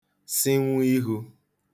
sịnwụ ihū